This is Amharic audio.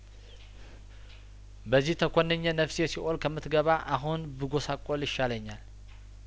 በዚህ ተኮንኜ ነፍሴ ሲኦል ከምት ገባ አሁን ብጐሳቆል ይሻለኛል